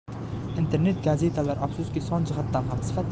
internet gazetalar afsuski son jihatdan ham sifat